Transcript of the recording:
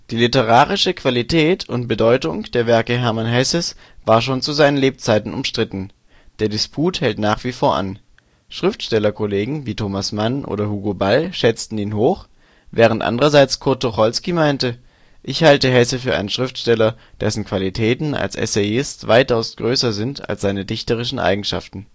literarische Qualität und Bedeutung der Werke Hermann Hesses war schon zu seinen Lebzeiten umstritten; der Disput hält nach wie vor an. Schriftstellerkollegen wie Thomas Mann oder Hugo Ball schätzten ihn hoch, während andererseits Kurt Tucholsky meinte: " Ich halte Hesse für einen Schriftsteller, dessen Qualitäten als Essayist weitaus größer sind als seine dichterischen Eigenschaften